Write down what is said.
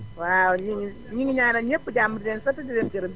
waawaaw ñu ngi ñu ngi ñaanal ñépp jàmm di leen sant di leen gërëm